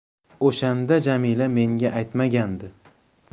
o'shanda jamila mengs aytmagandi